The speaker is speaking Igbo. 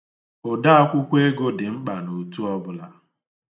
Odaakwụkwọ ego dị mkpa n'otu ọbụla.